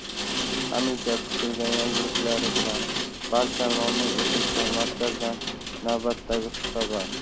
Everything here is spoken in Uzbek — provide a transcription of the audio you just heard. hamisha kutilgan yangiliklari bilan barchani mamnun etuvchi markazdan navbatdagi xushxabar